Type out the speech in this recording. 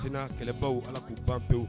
Tɛnana kɛlɛbagaw ala k'u baw pewu